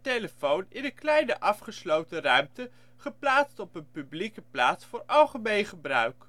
telefoon in een kleine afgesloten ruimte, geplaatst op een publieke plaats voor algemeen gebruik.